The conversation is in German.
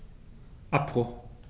Abbruch.